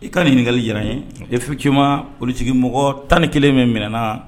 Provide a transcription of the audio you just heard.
I ka nin ɲininkali diyara n ye , effectivement politiki mɔgɔ 11 min minɛna